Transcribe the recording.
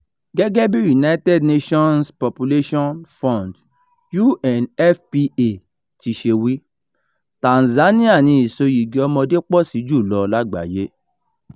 Gẹ́gẹ́ bí United Nations Population Fund (UNFPA) ti ṣe wí, Tanzania ni ìsoyìgì ọmọdé pọ̀ sí jù lọ lágbàáyé.